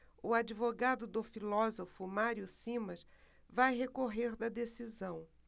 o advogado do filósofo mário simas vai recorrer da decisão